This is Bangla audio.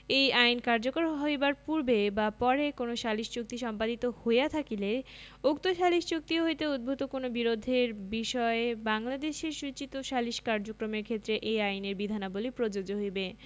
এই আইন কার্যকর হইবার পূর্বে বা পরে কোন সালিস চুক্তি সম্পাদিত হইয়া থাকিলে উক্ত সালিস চুক্তি হইতে উদ্ভুত কোন বিরোধের বিষয়ে বাংলাদেশে সূচিত সালিস কার্যক্রমের ক্ষেত্রে এই আইনের বিধানাবলী প্রযোজ্য হইবে